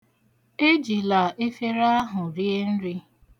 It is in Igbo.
Ejila efere ahụ rie nri.